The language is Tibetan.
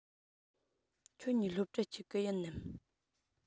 ཁྱེད གཉིས སློབ གྲྭ གཅིག གི ཡིན ནམ